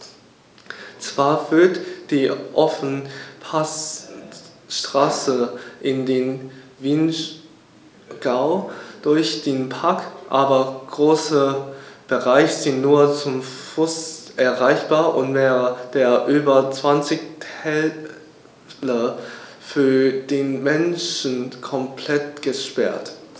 Zwar führt die Ofenpassstraße in den Vinschgau durch den Park, aber große Bereiche sind nur zu Fuß erreichbar und mehrere der über 20 Täler für den Menschen komplett gesperrt.